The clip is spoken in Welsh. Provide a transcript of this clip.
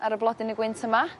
ar y blodyn y gwynt yma